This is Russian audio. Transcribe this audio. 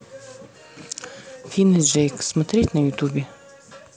фин и джейк смотреть на ютубе